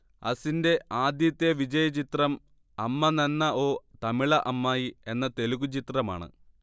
അസിൻറെ ആദ്യത്തെ വിജയചിത്രം അമ്മ നന്ന ഓ തമിള അമ്മായി എന്ന തെലുഗു ചിത്രമാണ്